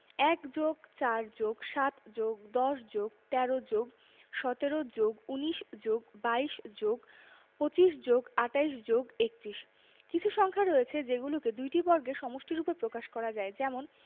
১+৪+৭+১০+১৩+১৭+১৯+২২+২৫+২৮+৩১ কিছু সংখ্যা রয়েছে যেগুলোকে দুইটি বর্গের সমষ্টিরুপে প্রকাশ করা যায় যেমন